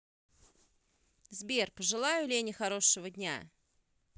сбер пожелаю лене хорошего дня